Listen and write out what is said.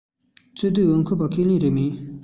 ཕྱིས བསྡུར འོས ཐོབ ཁས ལེན རེ མེད